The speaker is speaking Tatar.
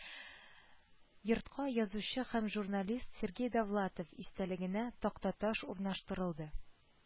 Йортка язучы һәм журналист сергей довлатов истәлегенә тактаташ урнаштырылды